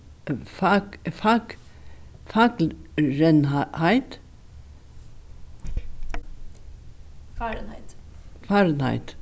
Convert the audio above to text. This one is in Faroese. fahrenheit